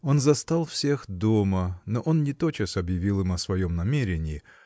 Он застал всех дома, но он не тотчас объявил им о своем намерении